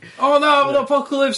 O na ma'n apocalypse.